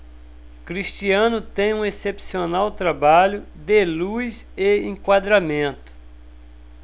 cristiano tem um excepcional trabalho de luz e enquadramento